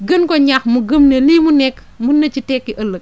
gën ko ñaax mu gëm ne nii mu nekk mun na ci tekki ëllëg